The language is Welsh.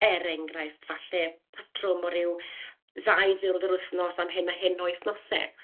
Er enghraifft, falle patrwm o ryw ddau ddiwrnod yr wythnos am hyn a hyn o wythnosau,